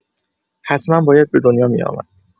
حتما باید به دنیا می‌آمد